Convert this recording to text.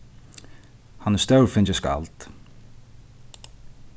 hann er stórfingið skald